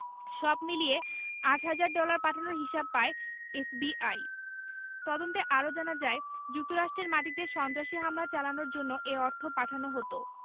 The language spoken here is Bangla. সব মিলিয়ে আট হাজার ডলার পাঠানোর হিসাব পায় এফবিআই তদন্তে আরও জানা যায় যুক্তরাষ্ট্রের মাটিতে সন্ত্রাসী হামলা চালানোর জন্য এই অর্থ পাঠানো হতো